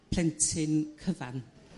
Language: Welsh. plentyn cyfan.